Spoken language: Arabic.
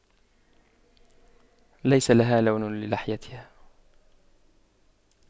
ليس لها لون للحيتها